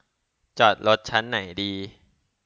จอดรถชั้นไหนดี